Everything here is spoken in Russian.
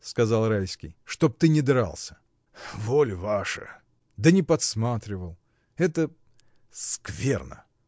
— сказал Райский, — чтоб ты не дрался. — Воля ваша! — Да не подсматривал! это. скверно.